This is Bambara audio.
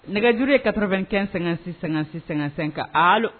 Nɛgɛjuru ye 95 56 56 55